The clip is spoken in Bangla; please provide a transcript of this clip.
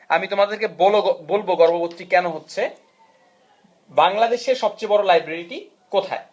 আমি তোমাদেরকে বলবো গর্ববোধ টি কেন হচ্ছে বাংলাদেশের সবচেয়ে বড় লাইব্রেরি টি কোথায়